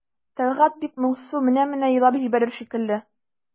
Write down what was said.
Тәлгать бик моңсу, менә-менә елап җибәрер шикелле.